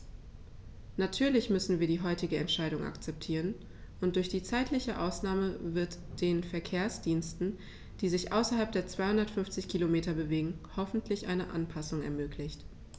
Natürlich müssen wir die heutige Entscheidung akzeptieren, und durch die zeitliche Ausnahme wird den Verkehrsdiensten, die sich außerhalb der 250 Kilometer bewegen, hoffentlich eine Anpassung ermöglicht.